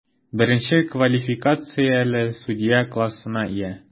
Беренче квалификацияле судья классына ия.